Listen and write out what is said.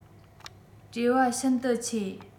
བྲེལ བ ཤིན ཏུ ཆེ